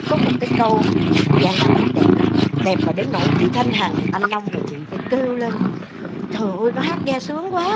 có một cái câu giang nam hát đẹp lắm đẹp mà đến nỗi chị thanh hằng anh long và chị phải kêu lên trời ơi nó hát nghe sướng quá